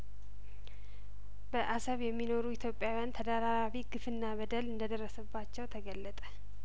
በአሰብ የሚኖሩ ኢትዮጵያውያን ተደራራቢ ግፍና በደል እንደደረሰባቸው ተገለጠ